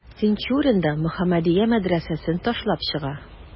Тинчурин да «Мөхәммәдия» мәдрәсәсен ташлап чыга.